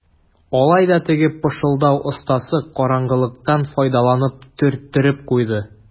Алай да теге пышылдау остасы караңгылыктан файдаланып төрттереп куйды.